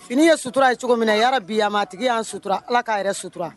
Fini ye sutura ye cogo min na yaarabiyama a tigi y'an sutura Ala k'a yɛrɛ sutura